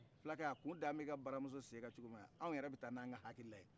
fulakɛ a kun dalen bɛ i ka baramuso sen kan cogo min na an yɛrɛ bɛ taa n'an ka hakilina ye